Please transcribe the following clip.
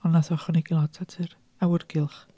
Ond wnaeth o ychwanegu lot at yr awyrgylch.